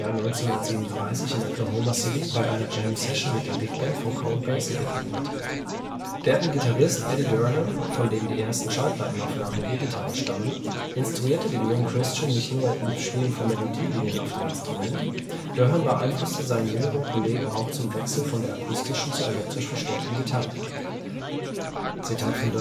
1937 in Oklahoma City bei einer Jam Session mit der Big-Band von Count Basie begegnet. Deren Gitarrist Eddie Durham, von dem die ersten Schallplatten-Aufnahmen mit E-Gitarre stammen, instruierte den jungen Christian nicht nur im Spielen von Melodielinien auf dem Instrument; Durham beeinflusste seinen jüngeren Kollegen auch zum Wechsel von der akustischen zur elektrisch verstärkten Gitarre. Zitat von